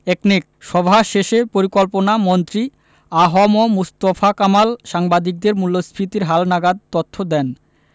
একনেক সভা শেষে পরিকল্পনামন্ত্রী আ হ ম মুস্তফা কামাল সাংবাদিকদের মূল্যস্ফীতির হালনাগাদ তথ্য দেন